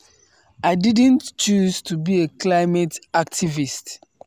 I didn't choose to be a climate activist.